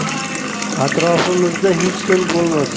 atrofimizda hech kim bo'lmasa